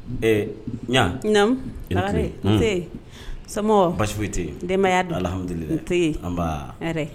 Ɛɛ ɲa namu te sama basi foyi te den'a donhadu tɛ